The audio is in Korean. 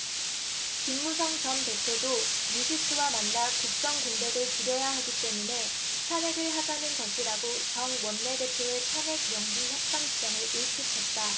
김무성 전 대표도 뉴시스와 만나 국정 공백을 줄여야 하기 때문에 탄핵을 하자는 것이라고 정 원내대표의 탄핵 연기협상 주장을 일축했다